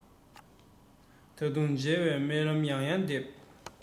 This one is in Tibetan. ད དུང མཇལ བའི སྨོན ལམ ཡང ཡང འདེབས